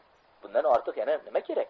bundan ortiq yana nima kerak